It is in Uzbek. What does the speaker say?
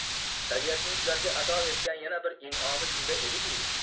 tabiatning ularga ato etgan yana bir in'omi shunda ediki